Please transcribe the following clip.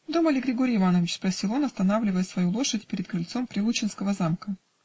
"Дома ли Григорий Иванович?" -- спросил он, останавливая свою лошадь перед крыльцом прилучинского замка.